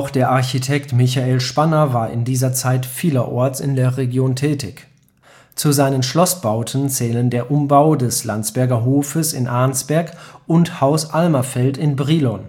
der Architekt Michael Spanner war in dieser Zeit vielerorts in der Region tätig. Zu seinen Schlossbauten zählen der Umbau des Landsberger Hofes in Arnsberg und Haus Almerfeld in Brilon